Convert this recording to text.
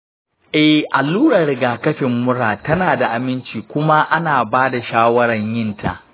ee, allurar rigakafin mura tana da aminci kuma ana ba da shawarar yinta.